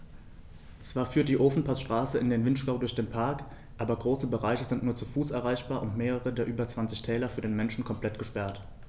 Zwar führt die Ofenpassstraße in den Vinschgau durch den Park, aber große Bereiche sind nur zu Fuß erreichbar und mehrere der über 20 Täler für den Menschen komplett gesperrt.